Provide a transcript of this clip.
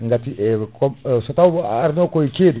gati e comme so tawno a arno koye ceeɗu